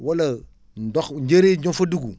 wala ndox njéeréer yi ñoo fa dugg